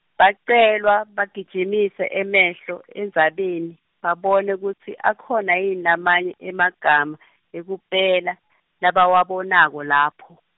Bacelwa bagijimise emehlo endzabeni, babone kutsi akhona yini lamanye emagama, ekupela, labawabonako lapho.